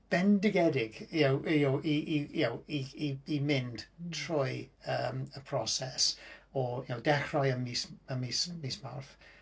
Bendigedig y'know y'know i i y'know i i i mynd trwy yym y proses o y'know dechrau ym mis ym mis mis Mawrth.